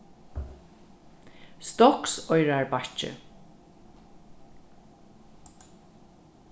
stoksoyrarbakki